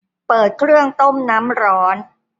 เปิดเครื่องต้มน้ำร้อน